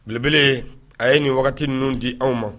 Belebele a ye nin wagati ninnu di anw ma.